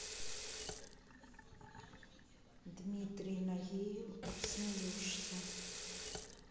дмитрий нагиев обсмеешься